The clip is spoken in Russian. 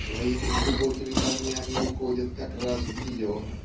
своими глубокими корнями уходит как раз в нее